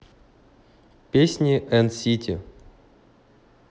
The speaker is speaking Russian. песни and city